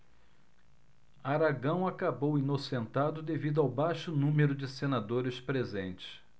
aragão acabou inocentado devido ao baixo número de senadores presentes